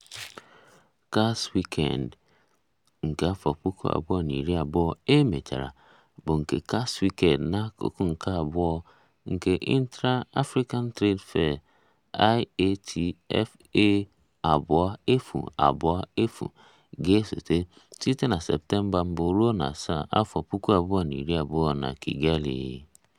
CAX Weekend 2020 e mechara bụ nke CAX Week n'akụkụ nke abụọ nke Intra-African Trade Fair (IATF2020) ga-esote site na Septemba 1-7, 2020, na Kigali.